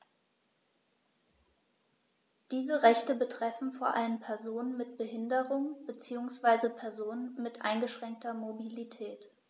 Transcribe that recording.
Diese Rechte betreffen vor allem Personen mit Behinderung beziehungsweise Personen mit eingeschränkter Mobilität.